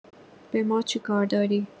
به ما چیکار داری